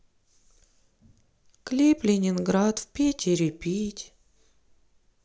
клип ленинград в питере пить